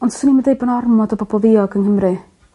On' swn i'm yn deud bo' 'na ormod o bobol ddiog yng Nghymru.